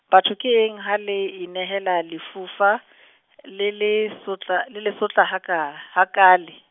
batho ke eng ha le inehella lefufa le le sotla, le le sotla hakaa hakaale?